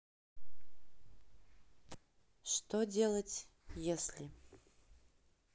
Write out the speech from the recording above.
что делать если